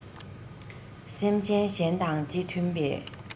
སེམས ཅན གཞན དང རྗེས མཐུན པའི